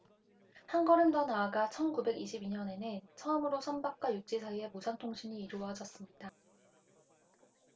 한 걸음 더 나아가 천 구백 이십 이 년에는 처음으로 선박과 육지 사이에 무선 통신이 이루어졌습니다